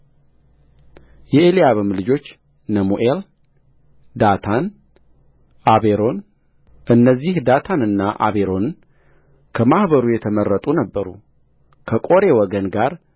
የኤልያብም ልጆች ነሙኤል ዳታን አቤሮን እነዚህ ዳታንና አቤሮን ከማኅበሩ የተመረጡ ነበሩ ከቆሬ ወገን ጋር